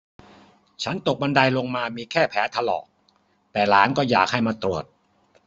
ฉันตกบันไดลงมามีแค่แผลถลอกแต่หลานก็อยากให้มาตรวจ